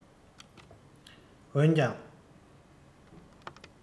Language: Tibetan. འོན ཀྱང